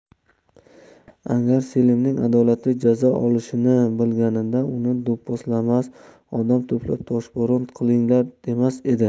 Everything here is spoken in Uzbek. agar selimning adolatli jazo olishini bilganida uni do'pposlamas odam to'plab toshbo'ron qilinglar demas edi